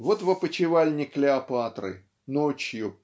Вот в опочивальне Клеопатры ночью